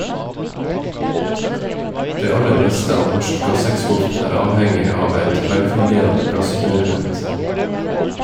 Det aller meste av norsk gasseksport er avhengig av eit velfungerande gassrøyrnett.